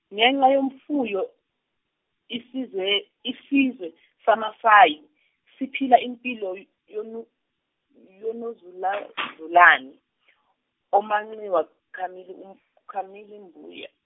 ngenxa yemfuyo, isizwe- isizwe saMasayi, siphila impilo yo- yonu- yonozula- -zulane, omanxiwa, kamili- kamili mbuya.